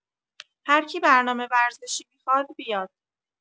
هرکی برنامه ورزشی میخواد بیاد